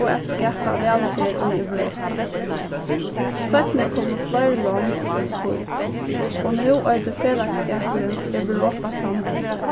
og at skapa vælferð í europa seinni komu fleiri lond uppí og nú eitur felagsskapurin europasamveldið